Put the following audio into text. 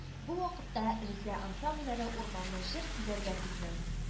Бу вакытта эрзә ансамбльләре урманны җыр-көйләргә күмде